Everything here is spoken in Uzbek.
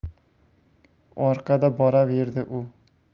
orqada boraverdi u